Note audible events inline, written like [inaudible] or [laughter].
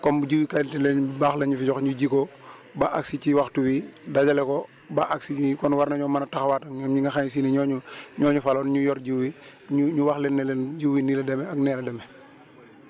comme jiwu qualité lañ baax lañ ñu fi jox ñu ji ko [breath] ba àgg si ci waxtu wii dajale ko ba àgg si fii kon war nañoo mën a taxawaat ak ñun ñi nga xam ne sii nii ñoo ñu [breath] ñoo ñu faloon ñu yor jiw yi ñu ñu wax leen ne leen jiw yi nii la demee ak nee la demee